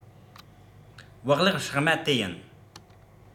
བག ལེབ བསྲེགས མ དེ ཡིན